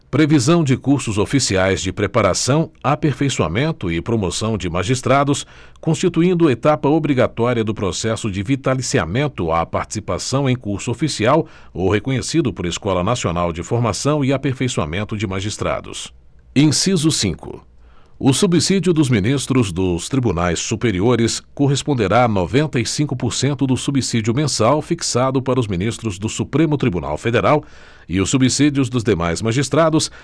previsão de cursos oficiais de preparação aperfeiçoamento e promoção de magistrados constituindo etapa obrigatória do processo de vitaliciamento a participação em curso oficial ou reconhecido por escola nacional de formação e aperfeiçoamento de magistrados inciso cinco o subsídio dos ministros dos tribunais superiores corresponderá a noventa e cinco por cento do subsídio mensal fixado para os ministros do supremo tribunal federal e os subsídios dos demais magistrados